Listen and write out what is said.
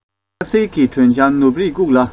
ལྷག ཟེར གྱི དྲོད འཇམ ནུབ རིས བཀུག ལ